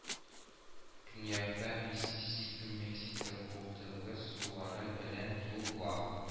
Көньякта Миссисипи Мексика култыгы сулары белән юыла